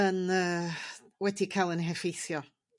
yn yyr wedi cael ein heffeithio